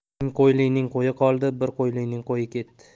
ming qo'ylining qo'yi qoldi bir qo'ylining qo'yi ketdi